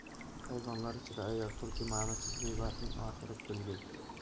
hayvonlar ichida ayyori tulki ma'nisiz g'iybatning oxiri kulki